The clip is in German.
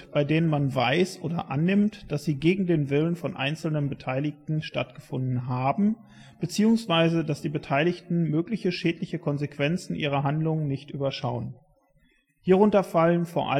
bei denen man weiß oder annimmt, dass sie gegen den Willen von einzelnen Beteiligten stattgefunden haben bzw. dass die Beteiligten mögliche schädliche Konsequenzen ihrer Handlungen nicht überschauen. Hierunter fallen vor